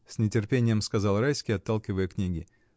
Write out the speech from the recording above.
— с нетерпением сказал Райский, отталкивая книги.